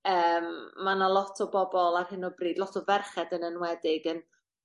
yym ma' 'na lot o bobol ar hyn o bryd lot o ferched yn enwedig yn